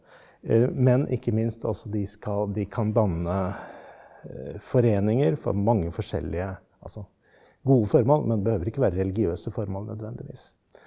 men ikke minst altså de skal de kan danne foreninger for mange forskjellige altså gode formål men behøver ikke være religiøse formål nødvendigvis.